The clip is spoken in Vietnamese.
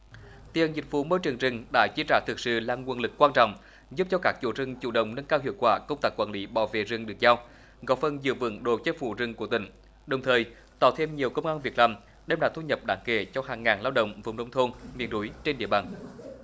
tiền dịch vụ môi trường rừng đã chi trả thực sự là nguồn lực quan trọng giúp cho các chủ rừng chủ động nâng cao hiệu quả công tác quản lý bảo vệ rừng được giao góp phần giữ vững độ che phủ rừng của tỉnh đồng thời tạo thêm nhiều công ăn việc làm đem lại thu nhập đáng kể cho hàng ngàn lao động vùng nông thôn miền núi trên địa bàn